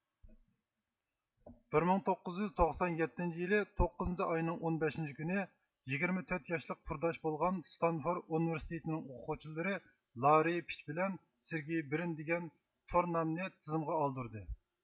بىر مىڭ توققۇز يۈز توقسان يەتتىنچى يىلى توققىزىنچى ئاينىڭ ئون بەشىنچى كۈنى يىگىرمە تۆت ياشلىق قۇرداش بولغان ستانفورد ئۇنىۋېرسىتېتىنىڭ ئوقۇغۇچىلىرى لاررىي پېچ بىلەن سېرگېي برىن دېگەن تورنامىنى تىزىمغا ئالدۇردى